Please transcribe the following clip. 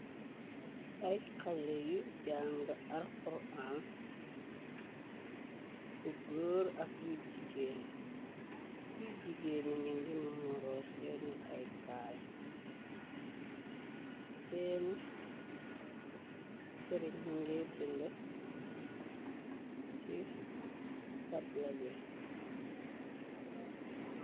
ay xale yu jang arkuran yu goor ak yuy jigeen yuy jigéeni nendi moro seeni ay kaala seeni seriñ mogei ngay bind ci tablabé